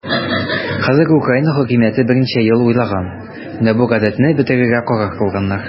Хәзерге Украина хакимияте берничә ел уйлаган, менә бу гадәтне бетерергә карар кылганнар.